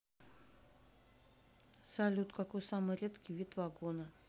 салют какой самый редкий вид вагона